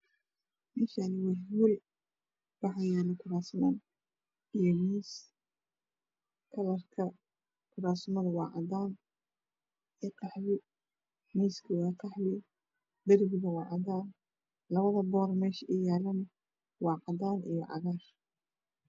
Meeshaani waa guri waxaa yaalo kuraasman iyo miis kalarka kuraasmadu waa cadaan iyo qaxwi, miiskuna waa qaxwi, darbiguna waa cadaan , labada boor meesha ay yaalana waa cadaan iyo cagaar.